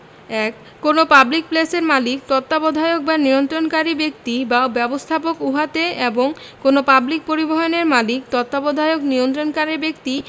১ কোন পাবলিক প্লেসের মালিক তত্ত্বাবধায়ক বা নিয়ন্ত্রণকারী ব্যক্তি বা ব্যবস্থাপক উহাতে এবং কোন পাবলিক পরিবহণের মালিক তত্ত্বাবধায়ক নিয়ন্ত্রণকারী ব্যক্তি